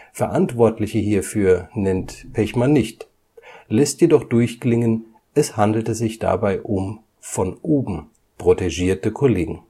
Verantwortliche hierfür nennt Pechmann nicht, lässt jedoch durchklingen, es handelte sich dabei um „ von oben “protegierte Kollegen